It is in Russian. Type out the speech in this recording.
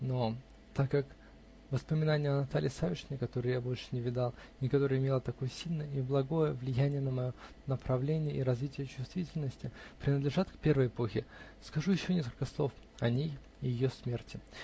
но так как воспоминания о Наталье Савишне, которую я больше не видал и которая имела такое сильное и благое влияние на мое направление и развитие чувствительности, принадлежат к первой эпохе, скажу еще несколько слов о ней и ее смерти.